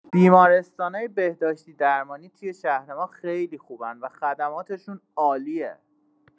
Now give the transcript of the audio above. بیمارستانای بهداشتی‌درمانی توی شهر ما خیلی خوبن و خدماتشون عالیه.